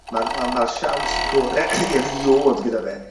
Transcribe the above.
ma'r ma' ma'r siawns gero e- eriôd gyda fe